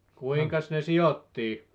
kuinkas ne sidottiin